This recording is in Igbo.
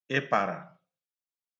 ịpàrà